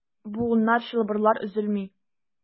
Буыннар, чылбырлар өзелми.